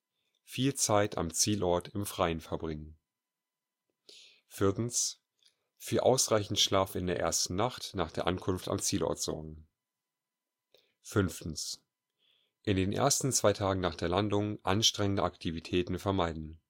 Viel Zeit am Zielort im Freien verbringen Für ausreichenden Schlaf in der ersten Nacht nach der Ankunft am Zielort sorgen In den ersten zwei Tagen nach der Landung anstrengende Aktivitäten vermeiden